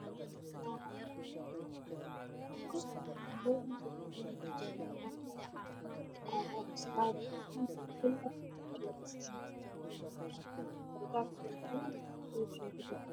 Meeshaan waxaa taalo burjiko